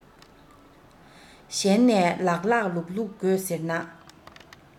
གཞན ནས ལགས ལགས ལུགས ལུགས དགོས ཟེར ན